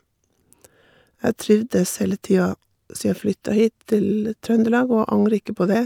Jeg trivdes hele tida sia jeg flytta hit til Trøndelag, og jeg angrer ikke på det.